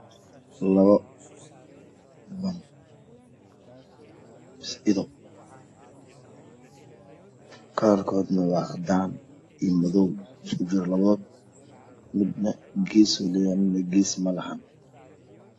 Labo karkoodna waa cadaan iyo madow isku jiraan labadooda midna gees midna gees oo madaxa.